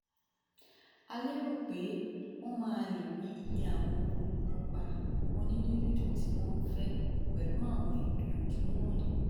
A lérò pé wọ́n máa lè rí iye àwọn olùkópa onínúdídùn tí wọ́n ń fẹ́ pẹ̀lú àwọn ìgbìyànjú wọ̀nyìí.